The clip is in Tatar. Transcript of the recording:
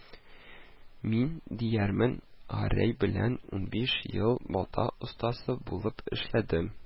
Мин, диярмен, Гәрәй белән унбиш ел балта остасы булып эшләдем